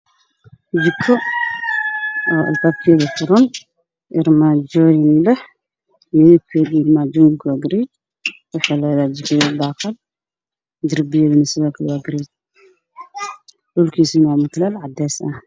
Meeshan waa jiko ama kushiin wax lagu karsado midabkooda war cadaan waxa ay leedahay qaanado